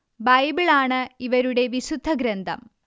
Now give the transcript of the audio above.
Bible ആണ് ഇവരുടെ വിശുദ്ധ ഗ്രന്ഥം